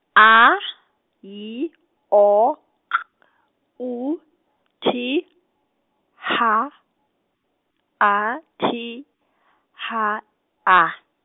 A, Y, O, K, U, T, H, A, T, H, A.